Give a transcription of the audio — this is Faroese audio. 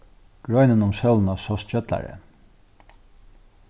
greinin um sólina sást gjøllari